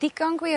Digon gwir...